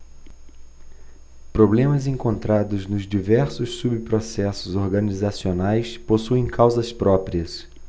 problemas encontrados nos diversos subprocessos organizacionais possuem causas próprias